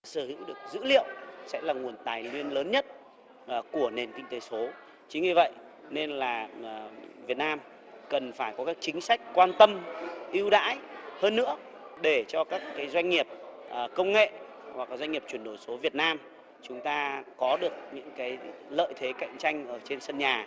sở hữu được dữ liệu sẽ là nguồn tài nguyên lớn nhất của nền kinh tế số chính vì vậy nên là mà việt nam cần phải có các chính sách quan tâm ưu đãi hơn nữa để cho các doanh nghiệp công nghệ hoặc là doanh nghiệp chuyển đổi số việt nam chúng ta có được những cái lợi thế cạnh tranh ở trên sân nhà